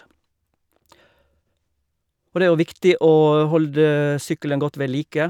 Og det er jo viktig å holde sykkelen godt ved like.